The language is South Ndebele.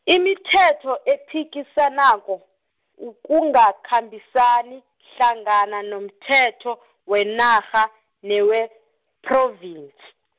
imithetho ephikisanako, ukungakhambisani hlangana nomthetho wenarha newePhrovinsi.